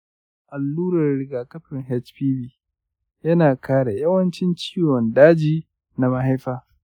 allurar rigakafin hpv yana kare yawancin ciwon daji na mahaifa.